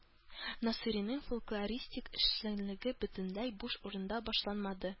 Насыйриның фольклористик эшчәнлеге бөтенләй буш урында башланмады